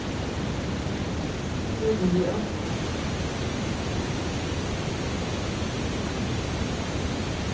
skúlin við ósánna